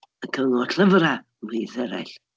Y cyngor llyfrau, ymhlith eraill.